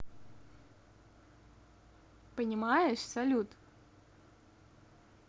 понимаешь салют